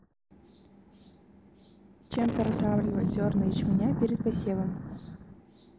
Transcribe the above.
чем протравливать зерна ячменя перед посевом